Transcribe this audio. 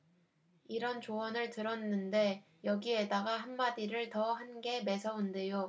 이런 조언을 들었는데 여기에다가 한마디를 더 한 게 매서운데요